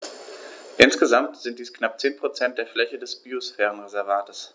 Insgesamt sind dies knapp 10 % der Fläche des Biosphärenreservates.